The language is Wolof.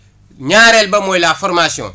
ñaareel ba mooy la formation